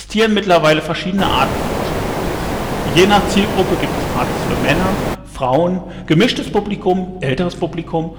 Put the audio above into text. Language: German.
mittlerweile verschiedene Arten von Kuschelpartys: Je nach Zielgruppe gibt es Partys für Männer, Frauen, gemischtes Publikum, älteres Publikum